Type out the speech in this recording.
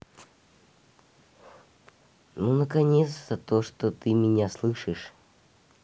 ну наконец то ты меня слышишь